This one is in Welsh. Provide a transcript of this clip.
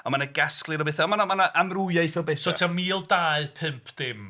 Mae 'na gasgliad bethau a mae 'na... mae 'na amrywiaeth o bethau... So tua mil dau pump dim?